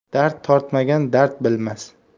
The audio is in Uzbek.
dard tortmagan dard bilmas